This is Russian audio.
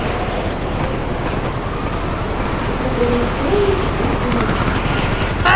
инопланетяне снятые на камеру